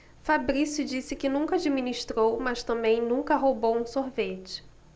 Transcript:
fabrício disse que nunca administrou mas também nunca roubou um sorvete